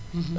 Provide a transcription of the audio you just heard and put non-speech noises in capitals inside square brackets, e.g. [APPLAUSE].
[HESITATION] [HESITATION]